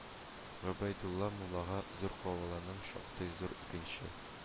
Гобәйдулла муллага Зур Кавалның шактый зур икенче